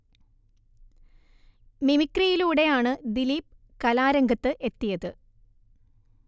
മിമിക്രിയിലൂടെയാണ് ദിലീപ് കലാരംഗത്ത് എത്തിയത്